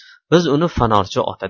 biz uni fanorchi ota